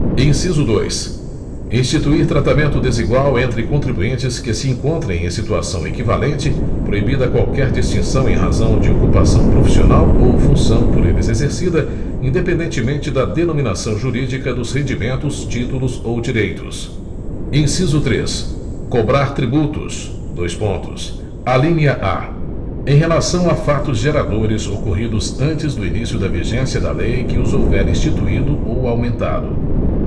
inciso dois instituir tratamento desigual entre contribuintes que se encontrem em situação equivalente proibida qualquer distinção em razão de ocupação profissional ou função por eles exercida independentemente da denominação jurídica dos rendimentos títulos ou direitos inciso três cobrar tributos dois pontos alínea a em relação a fatos geradores ocorridos antes do início da vigência da lei que os houver instituído ou aumentado